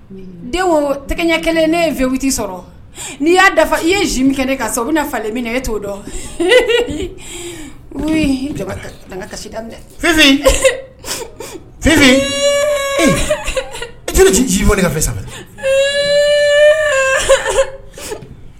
Ɲɛ kelen ne ye feti sɔrɔ n'i y'a dafa i ye ji min kɛ bɛna falen min e t' dɔn kasi e ci ji ma ka saba